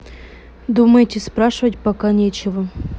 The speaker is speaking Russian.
думаете спрашивать пока нечего